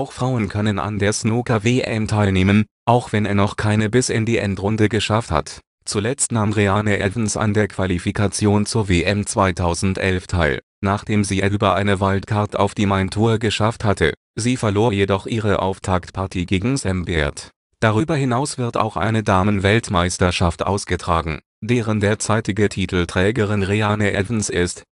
Frauen können an der Snooker-WM teilnehmen, auch wenn es noch keine bis in die Endrunde geschafft hat. Zuletzt nahm Reanne Evans an der Qualifikation zur WM 2011 teil, nachdem sie es über eine Wildcard auf die Main Tour geschafft hatte. Sie verlor jedoch ihre Auftaktpartie gegen Sam Baird. Darüber hinaus wird auch eine Damen-Weltmeisterschaft ausgetragen, deren derzeitige Titelträgerin Reanne Evans ist